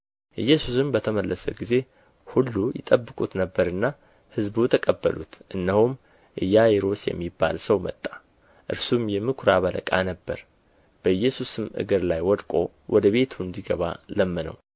ኢየሱስም በተመለሰ ጊዜ ሁሉ ይጠብቁት ነበርና ሕዝቡ ተቀበሉት እነሆም ኢያኢሮስ የሚባል ሰው መጣ እርሱም የምኵራብ አለቃ ነበረ በኢየሱስም እግር ላይ ወድቆ ወደ ቤቱ እንዲገባ ለመነው